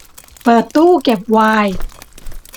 เปิดตู้เก็บไวน์